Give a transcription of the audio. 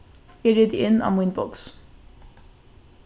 eg riti inn á mínboks